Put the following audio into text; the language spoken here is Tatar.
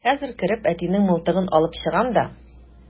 Хәзер кереп әтинең мылтыгын алып чыгам да...